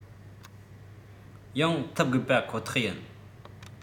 ཡང ཐུབ དགོས པ ཁོ ཐག ཡིན